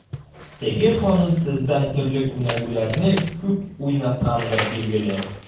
Теге ханым сездән төрле күнегүләрне күп уйнаткандыр, билгеле.